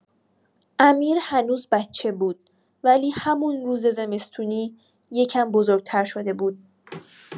امیر هنوز بچه بود، ولی همون روز زمستونی، یه‌کم بزرگ‌تر شده بود.